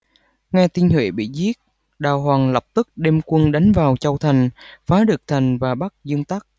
nghe tin hệ bị giết đào hoàng lập tức đem quân đánh vào châu thành phá được thành và bắt dương tắc